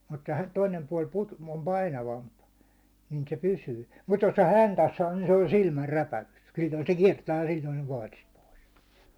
mutta - toinen puoli - on painavampi niin se pysyy mutta jos se häntänsä saa niin se on silmänräpäyksessä silloin se kiertää ja silloin se on paatista pois